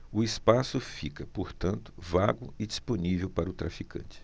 o espaço fica portanto vago e disponível para o traficante